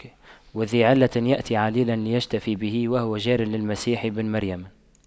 وذى علة يأتي عليلا ليشتفي به وهو جار للمسيح بن مريم